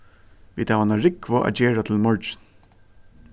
vit hava eina rúgvu at gera til í morgin